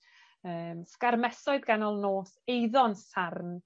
Yym sgarmesoedd ganol nos, eiddo'n sarn.